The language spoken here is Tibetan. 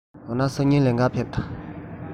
འོ ན སང ཉིན ལེན ག ཕེབས དང